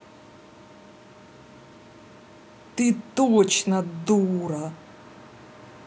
ты точно дура